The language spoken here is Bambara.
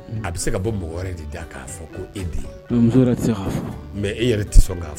A bɛ se ka bɔ mɔgɔ wɛrɛ de da'a fɔ ko e de mɛ e yɛrɛ tɛ sɔn k'a